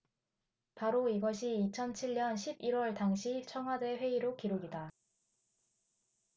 바로 이것이 이천 칠 년 십 일 월 당시 청와대 회의록 기록이다